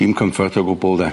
Dim comfort o gwbwl de.